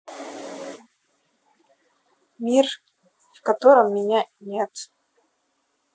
мир в котором меня нет